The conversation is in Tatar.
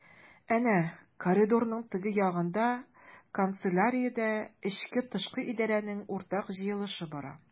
Әнә коридорның теге ягында— канцеляриядә эчке-тышкы идарәнең уртак җыелышы бара.